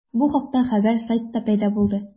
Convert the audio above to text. Бу хакта хәбәр сайтта пәйда булды.